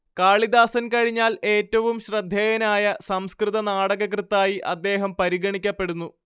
കാളിദാസൻ കഴിഞ്ഞാൽ ഏറ്റവും ശ്രദ്ധേയനായ സംസ്കൃതനാടകകൃത്തായി അദ്ദേഹം പരിഗണിക്കപ്പെടുന്നു